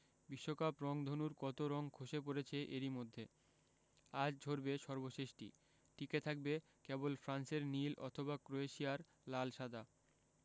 বিশ্বকাপ রংধনুর কত রং খসে পড়েছে এরই মধ্যে আজ ঝরবে সর্বশেষটি টিকে থাকবে কেবল ফ্রান্সের নীল অথবা ক্রোয়েশিয়ার লাল সাদা